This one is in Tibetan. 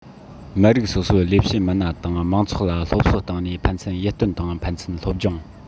མི རིགས སོ སོའི ལས བྱེད མི སྣ དང མང ཚོགས ལ སློབ གསོ བཏང ནས ཕན ཚུན ཡིད རྟོན དང ཕན ཚུན སློབ སྦྱོང